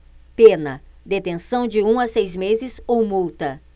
pena detenção de um a seis meses ou multa